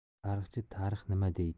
tarixchi tarix nima deydi